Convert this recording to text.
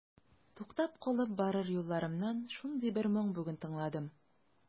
Туктап калып барыр юлларымнан шундый бер моң бүген тыңладым.